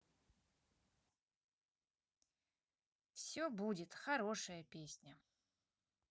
все будет хорошая песня